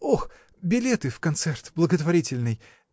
— Ох, билеты в концерт, благотворительный.